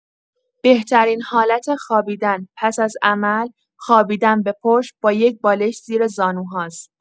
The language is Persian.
بهترین حالت خوابیدن پس از عمل، خوابیدن به پشت با یک بالش زیر زانوهاست.